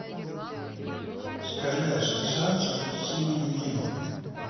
скажи ассоциации с именем дима